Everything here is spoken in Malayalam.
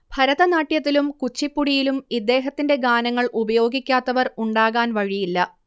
ഭരതനാട്യത്തിലും കുച്ചിപ്പുടിയിലും ഇദ്ദേഹത്തിന്റെ ഗാനങ്ങൾ ഉപയോഗിക്കാത്തവർ ഉണ്ടാകാൻ വഴിയില്ല